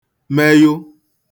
meyụ